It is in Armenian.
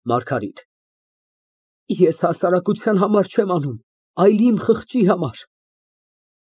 ՄԱՐԳԱՐԻՏ ֊ Ես հասարակության համար չեմ անում, այլ իմ խղճի համար։